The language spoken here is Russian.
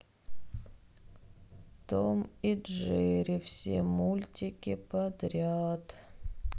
том и джерри все мультики подряд